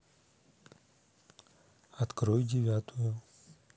открой девятую